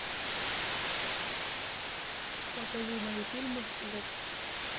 покажи мои фильмы в окко